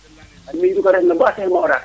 *